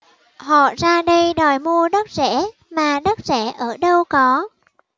họ ra đây đòi mua đất rẻ mà đất rẻ ở đâu có